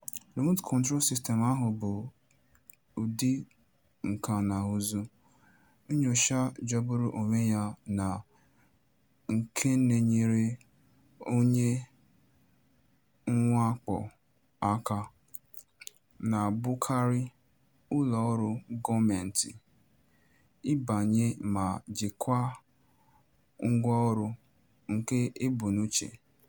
Remote Control System áhụ̀ bụ ụdị nkànaụzụ nnyocha jọgburu onwe ya nke na-enyere onye mwakpo aka, na-abụkarị ụlọọrụ gọọmentị, ịbanye ma jikwaa ngwaọrụ nke e bu n'uche.